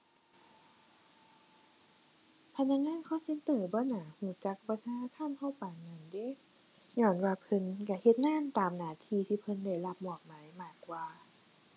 พนักงาน call center บ่น่ารู้จักวัฒนธรรมรู้ปานนั้นเดะ ญ้อนว่าเพิ่นรู้เฮ็ดงานตามหน้าที่ที่เพิ่นได้รับมอบหมายมากกว่า